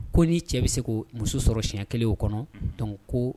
Ko ni cɛ bɛ se ko muso sɔrɔ siɲɛ kelen o kɔnɔ dɔn ko